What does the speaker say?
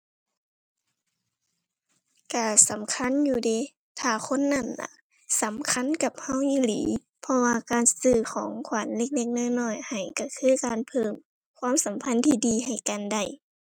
ก็สำคัญอยู่เดะ ถ้าคนนั้นน่ะสำคัญกับก็อีหลี เพราะว่าการซื้อของขวัญเล็กเล็กน้อยน้อยให้ก็คือการเพิ่มความสัมพันธ์ที่ดีให้กันได้